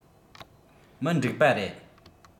མི འགྲིག པ རེད